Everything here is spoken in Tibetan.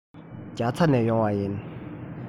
རྒྱ ཚ ནས ཡོང བ ཡིན